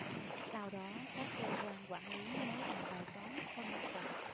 sau đó các cơ quan quản lý mới làm bài toán phân tầng